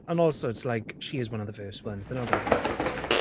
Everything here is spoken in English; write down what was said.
And also it's like, she is one of the first ones, they're not going to get rid of her.